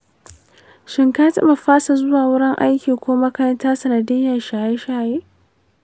shin ka taɓa fasa zuwa wurin aiki ko makaranta sanadiyyar shaye-shaye?